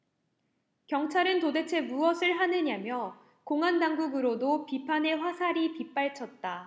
경찰은 도대체 무엇을 하느냐며 공안당국으로도 비판의 화살이 빗발쳤다